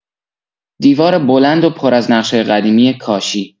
دیوار بلند و پر از نقش‌های قدیمی کاشی